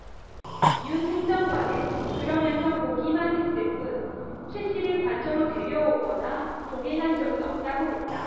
윤 행정관은 그러면서 보기만 했을 뿐 최씨를 관저로 데려오거나 동행한 적은 없다고 했다